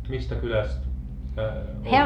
mistä kylästä hän oli